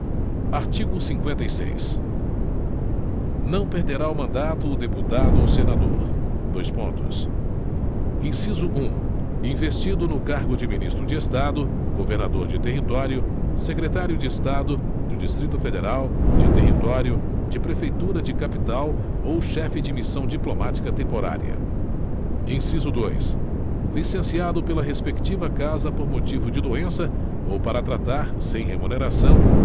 artigo cinquenta e seis não perderá o mandato o deputado ou senador dois pontos inciso um investido no cargo de ministro de estado governador de território secretário de estado do distrito federal de território de prefeitura de capital ou chefe de missão diplomática temporária inciso dois licenciado pela respectiva casa por motivo de doença ou para tratar sem remuneração